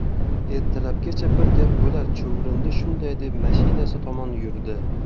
ertalabgacha bir gap bo'lar chuvrindi shunday deb mashinasi tomon yurdi